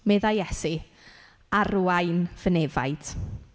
Meddai Iesu arwain fy nefaid.